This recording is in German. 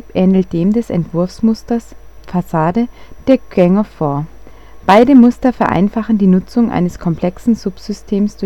ähnelt dem des Entwurfsmusters „ Fassade “der GoF. Beide Muster vereinfachen die Nutzung eines komplexen Subsystems